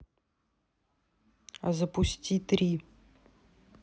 запусти три